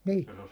niin